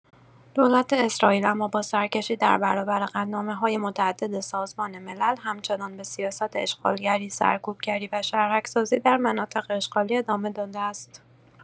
دولت اسرائیل اما با سرکشی در برابر قطعنامه‌های متعدد سازمان ملل هم‌چنان به سیاست اشغالگری، سرکوبگری و شهرک‌سازی در مناطق اشغالی ادامه داده است.